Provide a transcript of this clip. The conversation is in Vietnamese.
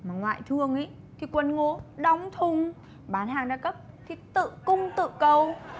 ngoại thương ý thì quần ngố đóng thùng bán hàng đa cấp thì tự cung tự cầu